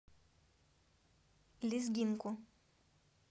лезгинку